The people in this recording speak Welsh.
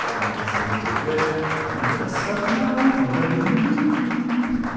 A 'na beth sy'n mynd i digwydd, mae fe yn y bydysawd nawr, ma' fe'n myn' i digwydd.